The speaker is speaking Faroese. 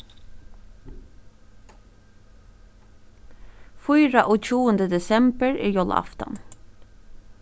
fýraogtjúgundi desembur er jólaaftan